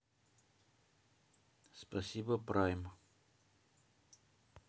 спасибо прайм